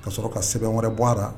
Ka sɔrɔ ka sɛbɛn wɛrɛ bɔyara